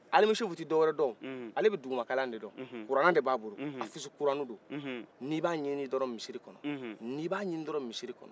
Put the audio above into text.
alimusufu tɛ dɔwɛrɛ don ale bɛ duguma kalan de dɔn kuranɛ de b'a bolo haphis kuraniw do nin b'a ɲinin dɔrɔ misiri kɔnɔ